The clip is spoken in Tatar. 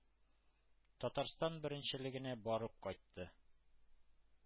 Татарстан беренчелегенә барып кайтты.